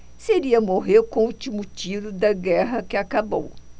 seria morrer com o último tiro da guerra que acabou